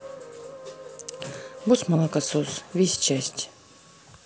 босс молокосос весь часть